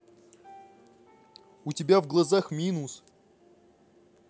у тебя в глазах минус